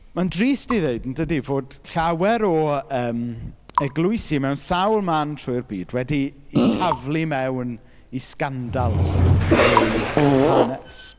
Mae'n drist i ddeud, yn dydy fod llawer o yym, eglwysi mewn sawl man trwy'r byd wedi ei taflu mewn i sgandals drwy hanes.